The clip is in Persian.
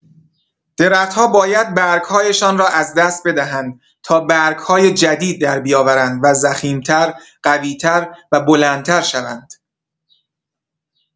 درخت‌ها باید برگ‌هایشان را از دست بدهند تا برگ‌های جدید دربیاورند و ضخیم‌تر، قوی‌تر و بلندتر شوند.